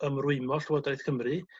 ymrwymo Llwodraeth Cymru